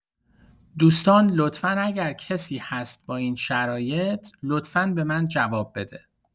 دوستان لطفا اگر کسی هست با این شرایط لطفا به من جواب بده